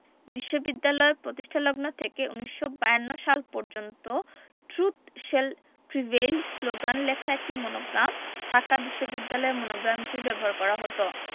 বিশ্ববিদ্যালয় পতিষ্ঠালগ্ন থেকে ১৯৫২ সাল পর্যন্ত ট্রুত শেল প্রিভেইল শ্লোগান লেখা একটি মনোগ্রাম ঢাকা বিশ্ববিদ্যালয়ের মনোগ্রাম হিসেবে ব্যবহার করা হতো